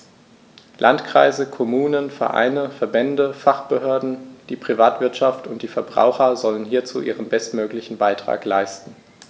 Landkreise, Kommunen, Vereine, Verbände, Fachbehörden, die Privatwirtschaft und die Verbraucher sollen hierzu ihren bestmöglichen Beitrag leisten.